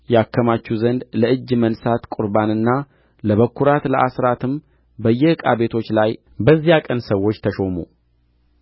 ያከማቹ ዘንድ ለእጅ ማንሣት ቍርባንና ለበኵራት ለአሥራትም በየዕቃ ቤቶቹ ላይ በዚያ ቀን ሰዎች ተሾሙ